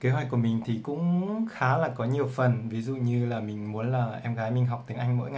kế hoạch của mình có khá là nhiều phần ví dụ mình muốn em gái học tiếng anh mỗi ngày